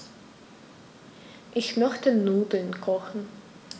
Ich möchte Nudeln kochen.